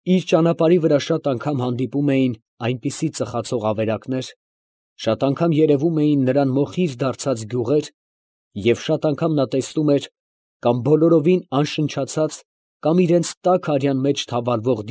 Իր ճանապարհի վրա շատ անգամ հանդիպում էին այնպիսի ծխացող ավերակներ, շատ անգամ երևում էին նրան մոխիր դարձած գյուղեր և շատ անգամ նա տեսնում էր՝ կամ բոլորովին անշնչացած, կամ իրանց տաք արյան մեջ թավալվող։